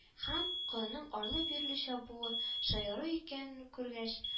Һәм, колынның арлы-бирле чабуы шаяру гына икәнен күргәч